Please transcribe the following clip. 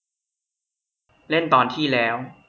เล่นตอนที่แล้ว